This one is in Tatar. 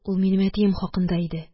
Ул минем әтием хакында иде